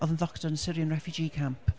oedd yn ddoctor yn Syrian refugee camp?